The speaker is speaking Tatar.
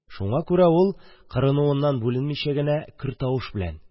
Шуңа күрә ул, кырынуыннан бүленмичә генә, көр тавыш белән: